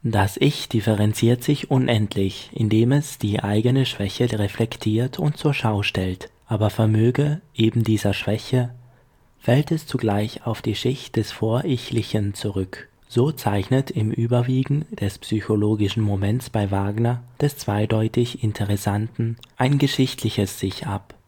Das Ich differenziert sich unendlich, indem es die eigene Schwäche reflektiert und zur Schau stellt, aber vermöge ebendieser Schwäche fällt es zugleich auf die Schicht des Vor-Ichlichen zurück. So zeichnet im Überwiegen des psychologischen Moments bei Wagner, des zweideutig Interessanten, ein Geschichtliches sich ab